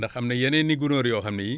ndax am na yeneen i gunóor yoo xam ne yii